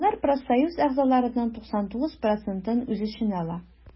Алар профсоюз әгъзаларының 99 процентын үз эченә ала.